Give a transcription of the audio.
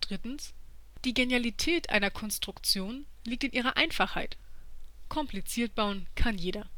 Die Genialität einer Konstruktion liegt in ihrer Einfachheit. Kompliziert bauen kann jeder